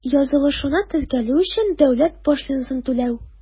Язылышуны теркәү өчен дәүләт пошлинасын түләү.